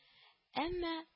Әмма